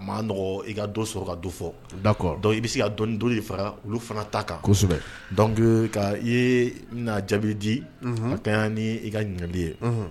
Maaɔgɔn i ka don sɔrɔ ka du fɔ da i bɛ se ka dɔn don faga olu fana ta kan kosɛbɛ i ye bɛna jaabibi di ka ni i ka ɲininkali ye